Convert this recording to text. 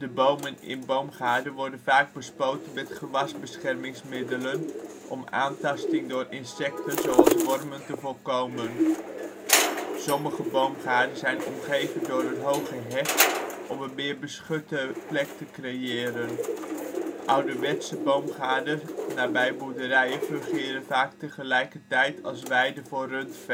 bomen in boomgaarden worden vaak bespoten met ' gewasbeschermingsmiddelen ' om aantasting door insecten zoals wormen te voorkomen. Sommige boomgaarden zijn omgeven door een hoge heg om een meer beschutte plek te creëren. Ouderwetse (hoogstammige) boomgaarden nabij boerderijen fungeren vaak tegelijkertijd als weide voor rundvee